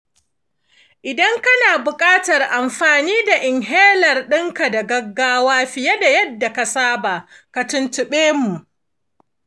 idan kana buƙatar amfani da inhaler ɗin gaggawa fiye da yadda aka saba, ka tuntube mu.